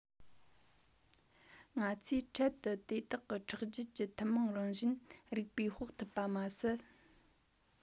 ང ཚོས འཕྲལ དུ དེ དག གི ཁྲག རྒྱུད ཀྱི ཐུན མོང རང བཞིན རིགས པས དཔོག ཐུབ པ མ ཟད